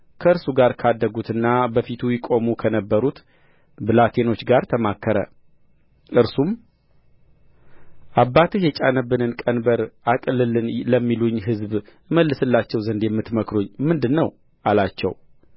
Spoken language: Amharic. ከእርሱ ጋር ካደጉትና በፊቱ ይቆሙ ከነበሩት ብላቴኖች ጋር ተማከረ እርሱም አባትህ የጫነብንን ቀንበር አቅልልልን ለሚሉኝ ሕዝብ እመልስላቸው ዘንድ የምትመክሩኝ ምንድር ነው አላቸው